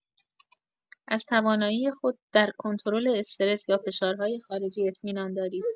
از توانایی خود در کنترل استرس یا فشارهای خارجی اطمینان دارید.